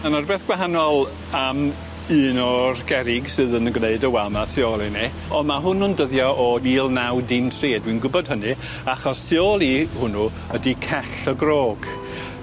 Ma' 'na rwbeth gwahanol am un o'r gerrig sydd yn gwneud y wal 'na tu ôl i ni on' ma' hwn y'n dyddio o mîl naw dim tri a dwi'n gwbod hynny achos tu ôl i hwnnw ydi cell y grog.